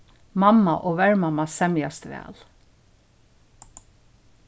mamma og vermamma semjast væl